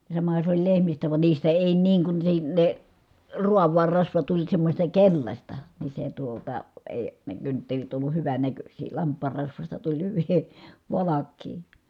ja samahan se oli lehmistä vaan niistä ei niin kun se ne raavaan rasva tuli semmoista keltaista niin se tuota ei ne kynttilät ollut hyvännäköisiä lampaan rasvasta tuli hyviä valkeaa